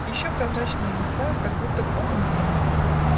Еще прозрачные, леса Как будто пухом зеленеют.